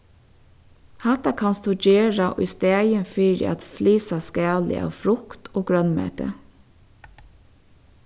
hatta kanst tú gera ístaðin fyri at flysa skalið av frukt og grønmeti